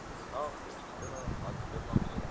tog' echkisimi otib kelmoqchi edi